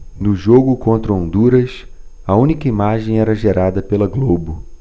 no jogo contra honduras a única imagem era gerada pela globo